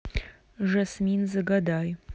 жасмин загадай